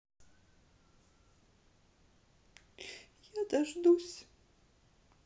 я дождусь